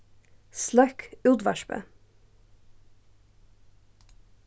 sløkk útvarpið